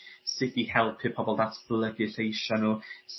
sut i helpu pobol ddatbolygu lleisia' n'w